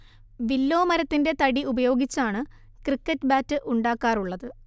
വില്ലോമരത്തിന്റെ തടി ഉപയോഗിച്ചാണ് cricket bat ഉണ്ടാക്കാറുള്ളത്